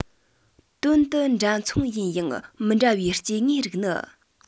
དམ དུ འདྲ མཚུངས ཡིན ཡང མི འདྲ བའི སྐྱེ དངོས རིགས ནི